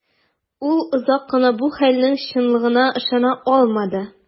Ул озак кына бу хәлнең чынлыгына ышана алмады.